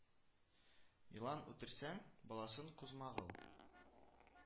Елан үтерсәң, баласын кузмагыл